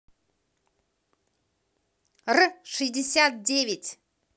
р шестьдесят девять